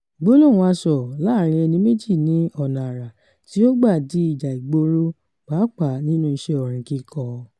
Gbólóhùn asọ̀ láàárín ẹni méjì ní ọ̀nà àrà tí ó gbà di ìjà ìgboro — papàá nínú iṣẹ́ orin kíkọ.